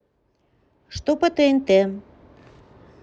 что по тнт